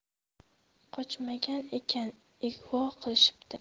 qochmagan ekan ig'vo qilishibdi